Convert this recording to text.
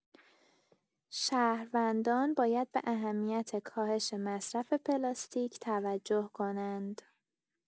شهروندان باید به اهمیت کاهش مصرف پلاستیک توجه کنند.